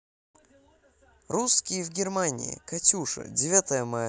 русские в германии катюша девятое мая